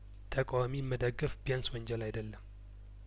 ተቃዋሚን መደገፍ ቢሆንስ ወንጀል አይደልም